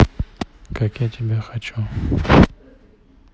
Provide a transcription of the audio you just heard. как я тебя хочу